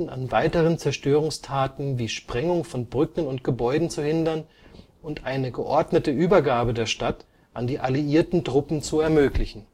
an weiteren Zerstörungstaten wie Sprengung von Brücken und Gebäuden zu hindern und eine geordnete Übergabe der Stadt an die alliierten Truppen zu ermöglichen